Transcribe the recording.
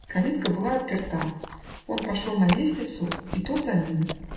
Калитка была отперта, он пошел на лестницу, и тот за ним.